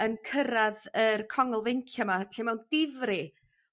yn cyrradd yr congl feincia 'ma lle mewn difri